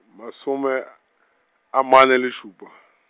masome a, a mane le šupa.